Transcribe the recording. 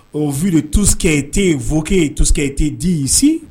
Ɔ v tuskɛte fke tussɛte disi